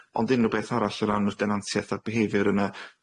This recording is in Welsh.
Ond unrw beth arall o ran yr denantieth a'r behaviour yna